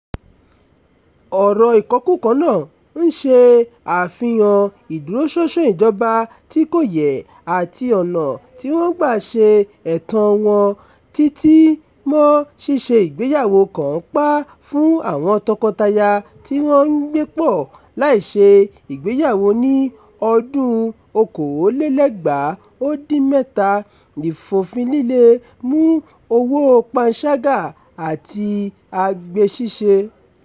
"Ọ̀rọ̀ ìkọkúkọ" náà ń ṣe àfihàn ìdúróṣánṣán ìjọba náà tí kò yẹ̀ àti ọ̀nà tí wọ́n ń gbà ṣe ẹ̀tọ́ọ wọn, títí mọ́ ṣíṣe ìgbéyàwó kànńpá fún àwọn tọkọtaya tí wọ́n ń gbépọ̀ láìṣe ìgbéyàwó ní 2017, ìfòfinlíle mú òwòo panṣágà àti agbe ṣíṣe.